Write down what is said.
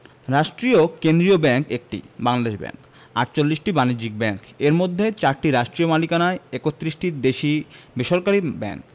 রাষ্ট্রীয় কেন্দ্রীয় ব্যাংক ১টি বাংলাদেশ ব্যাংক ৪৮টি বাণিজ্যিক ব্যাংক এর মধ্যে ৪টি রাষ্ট্রীয় মালিকানায় ৩১টি দেশী বেসরকারি ব্যাংক